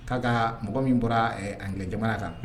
'a ka mɔgɔ min bɔra an gɛn jamana kan